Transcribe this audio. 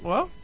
waaw